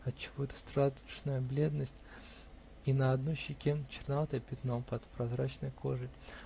отчего эта страшная бледность и на одной щеке черноватое пятно под прозрачной кожей?